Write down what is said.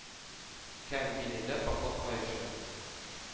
Кәм билендә поход каешы.